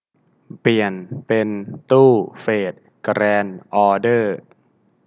เปลี่ยนเป็นตู้เฟทแกรนด์ออเดอร์